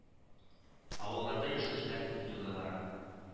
Авылларда яшәүчеләр бетүгә бара